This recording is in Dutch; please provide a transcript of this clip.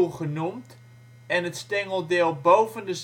genoemd en het stengeldeel boven de